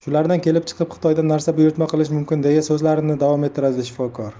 shulardan kelib chiqib xitoydan narsa buyurtma qilish mumkin deya so'zlarini davom ettiradi shifokor